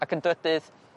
Ac yn drydydd,